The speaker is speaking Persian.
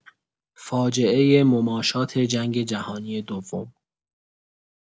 فاجعه مماشات جنگ جهانی دوم